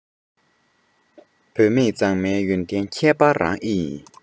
བུད མེད མཛངས མའི ཡོན ཏན ཁྱད པར རང ཨེ ཡིན